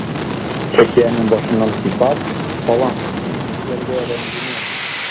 Сәхиянең башыннан сыйпап: "Балам, син кешеләргә рәнҗемә",— ди.